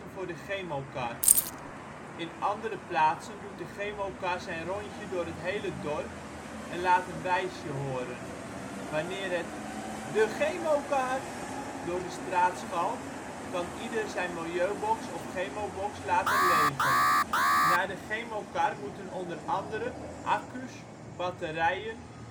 voor de chemokar. In andere plaatsen doet de chemokar zijn rondje door het hele dorp, en laat een wijsje horen. Wanneer het " De chemokar... " door de straat schalt kan ieder zijn milieubox of chemobox laten legen. Naar de chemokar moeten onder andere accu 's Batterijen